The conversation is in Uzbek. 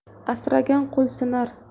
asragan qo'l sinar